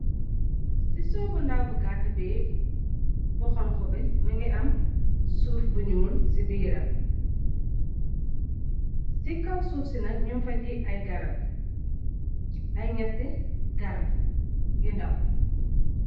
Ciisoh bu ndaw bu gatu bii bu honhu bii mungy am suff bu njull cii biram, cii kaw suff cii nak njung fa giighh aiiy garab, aiiy njehti garab yu ndaw.